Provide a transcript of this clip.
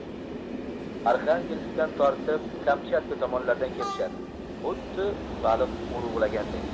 arxangelskdan tortib kamchatka tomonlardan kelishadi xuddi baliq urugiaganday